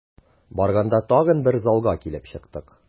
Барганда тагын бер залга килеп чыктык.